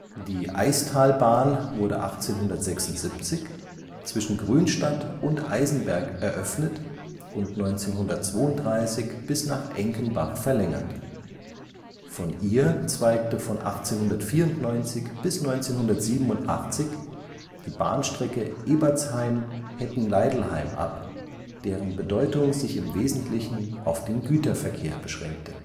Die Eistalbahn wurde 1876 zwischen Grünstadt und Eisenberg eröffnet und 1932 bis nach Enkenbach verlängert. Von ihr zweigte von 1894 bis 1987 die Bahnstrecke Ebertsheim – Hettenleidelheim ab, deren Bedeutung sich im Wesentlichen auf den Güterverkehr beschränkte